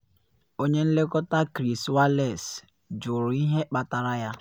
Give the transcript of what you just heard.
Onye nlekọta Chris Wallace jụrụ ihe kpatara ya.